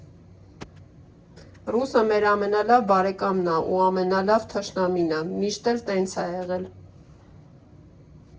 Ռուսը մեր ամենալավ բարեկամն ա ու ամենալավ թշնամին ա, միշտ էլ տենց ա եղել։